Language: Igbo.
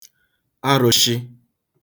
arụ̄shị̄